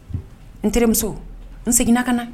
N terimuso n seginna ka na.